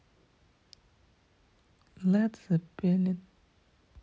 лед зеппелин